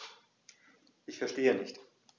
Ich verstehe nicht.